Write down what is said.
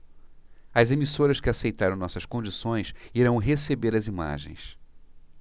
as emissoras que aceitaram nossas condições irão receber as imagens